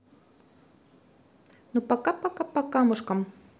ну пока пока покамушкам